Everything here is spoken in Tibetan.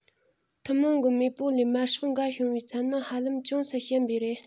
ཐུན མོང གི མེས པོ ལས མར ཕྱོགས འགལ བྱུང བའི ཚད ནི ཧ ལམ ཅུང ཟད ཞན པས རེད